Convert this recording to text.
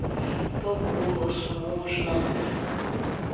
по голосу можно